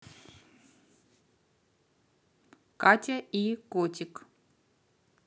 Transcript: катя и котик